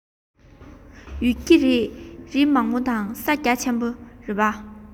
ཡོད ཀྱི རེད རི མང པོ དང ས རྒྱ ཆེན པོ རེད པ